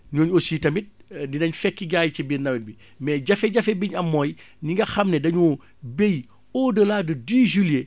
ñooñu aussi tamit dinañ fekki gars yi ci biir nawet bi mais jafe-jafe bi ñu am mooy ñi nga xam ne dañu bay au delà de dix juillet